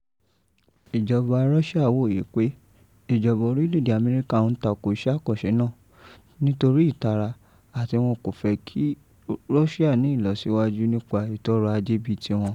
Ìjọba Russia wòye pé ìjọba orílẹ̀èdè Amẹ́ríkà ń tako iṣẹ́ àkànṣè náà nítorí ìtara àti wọn kò fẹ́ kí Russia ní ìlọsíwájú nípa ètò ọrọ̀ ajé bíi tiwọn.